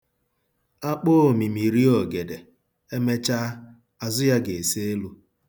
A kpọọ omimi rie ogede, e mechaa, azụ ya ga-ese elu.